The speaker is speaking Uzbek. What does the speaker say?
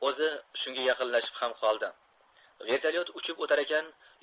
o'zi shunga yaqinlashib ham qoldi vertolyot uchib 'tarkan